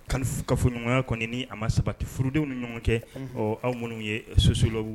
Kafoɲɔgɔnya kɔni ni ma sabati furudenw ni ɲɔgɔn cɛ , ɔn aw minnu ye Sociologues ye